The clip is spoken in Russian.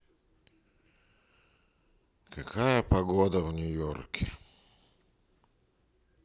какая погода в нью йорке